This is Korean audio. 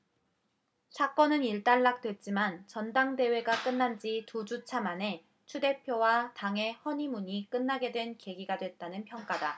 사건은 일단락됐지만 전당대회가 끝난지 두 주차 만에 추 대표와 당의 허니문이 끝나게 된 계기가 됐다는 평가다